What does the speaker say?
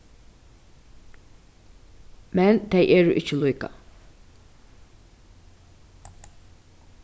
men tey eru ikki líka